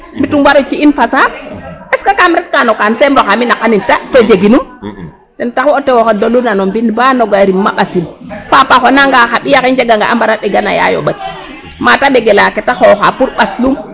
Mbit war o ci'in fasaaɓ est ce kaam retkaa no ka seemir oxa mi' naqanin ta to jeginum ten taxu o tew oxe doluna no mbind ba nogoy a rim ma ɓasil Papa xonanga xa ɓiy axe njeganga a mbara ɗegan a Yaya mata ɓengala ke ta xooxa pour ɓaslum.